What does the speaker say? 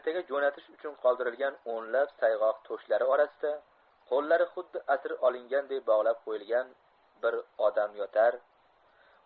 kuzovda ertaga jo'natish uchun qoldirilgan o'nlab sayg'oq to'shlari orasida qo'llari xuddi asir olinganday bogiab qo'yilgan bir odam yotar